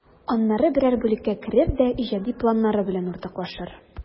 Аннары берәр бүлеккә керер дә иҗади планнары белән уртаклашыр.